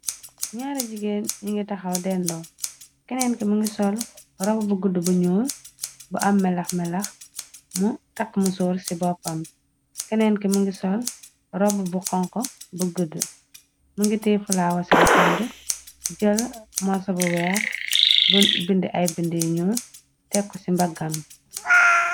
Nyaari jigéen ñi ngi taxaw dendoo keneen ki mi ngi sol robu bu gudd bu ñuul bu am melaxmelax mu takk mu sour ci boppamb keneen ki mi ngi sol rob bu xonko bu guddu mingi te fulawa ci lu xomb jël moo sa bu weex bind ay bind yiñu tekk ci mbaggam.